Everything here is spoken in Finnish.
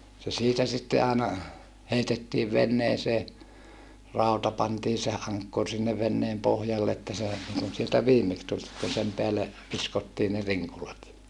se siitä sitten aina heitettiin veneeseen rauta pantiin se ankkuri sinne veneen pohjalle että se niin kuin sieltä viimeksi tuli kun sen päälle viskottiin ne rinkulat